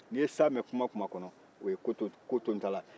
n'i ye sa mɛn kuma o kuma kɔnɔ o ye ko to n ta la ye